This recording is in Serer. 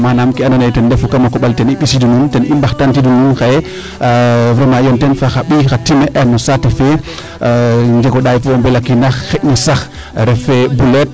manaam kee ando naye ten refu kama koɓale ten i mbisiidu nuun ten i mbaxtaan tidu nuun xaye vraiment yoon ten fo xa mbiy xa time no saate fee njego ɗaay fo mbelekinax xaƴna sax refee buleet `